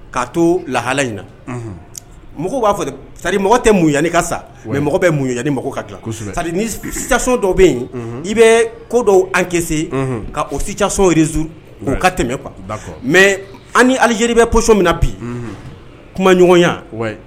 K kaa to lahala in na mɔgɔ b'a fɔ sarimɔgɔ tɛ munyanani ka sa mɛ mɔgɔ bɛ munyanani mɔgɔ ka sari sison dɔ bɛ yen i bɛ ko dɔw an kɛ ka o sisozuru k'u ka tɛmɛ kuwa mɛ an ni aliji bɛsɔ min na bi kumaɲɔgɔnya